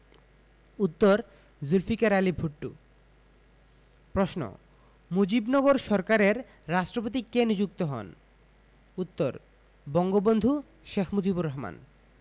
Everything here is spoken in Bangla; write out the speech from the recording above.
উত্তরঃ জুলফিকার আলী ভুট্ট প্রশ্ন মুজিবনগর সরকারের রাষ্ট্রপতি কে নিযুক্ত হন উত্তর বঙ্গবন্ধু শেখ মুজিবুর রহমান